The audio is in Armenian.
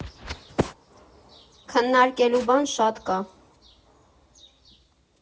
Քննարկելու բան շատ կա։